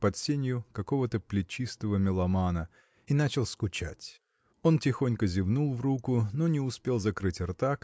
под сенью какого-то плечистого меломана и начал скучать. Он тихонько зевнул в руку но не успел закрыть рта